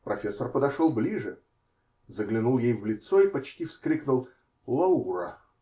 Профессор подошел ближе, заглянул ей в лицо и почти вскрикнул: -- Лаура!